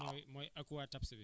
ah mooy Aquatabs